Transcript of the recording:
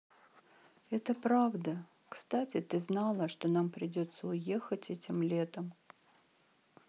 это правда кстати ты знала что нам придется уехать этим летом